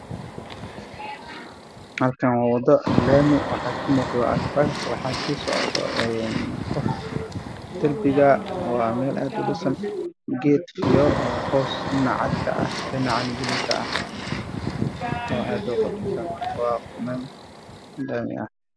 Waa meel laami ah waxaa maraayo cagaf cagaf ah laamiga agtiisa taagan nin